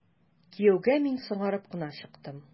Кияүгә мин соңарып кына чыктым.